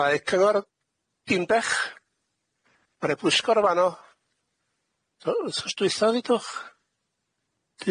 Ma' e cyngor di'n bech ma' rei bwysgor o fano so wthos dwetha ddudwch?